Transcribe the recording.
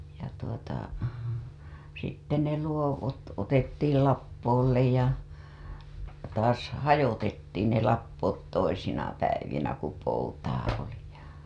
ja tuota sitten ne luokot otettiin lappoolle ja taas hajoitettiin ne lappoot toisina päivinä kun poutaa oli ja